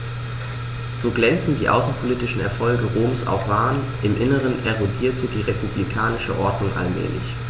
So glänzend die außenpolitischen Erfolge Roms auch waren: Im Inneren erodierte die republikanische Ordnung allmählich.